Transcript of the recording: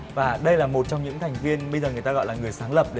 và đây là một trong những thành viên bây giờ người ta gọi là người sáng lập